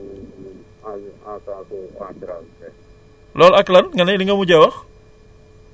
loolu la ñu doon jéem a xam ak siège su agence assurance bi